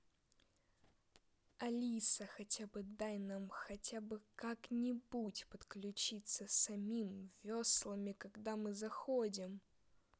алиса хотя бы дай нам хотя бы как нибудь подключиться самим веслами когда мы заходим